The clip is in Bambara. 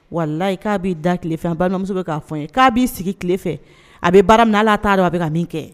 Wala' b'i da tilefɛ balimamuso bɛ k'a fɔ n ye k'a b'i sigi tilefɛ a bɛ baara min ala'a dɔn a bɛ ka min kɛ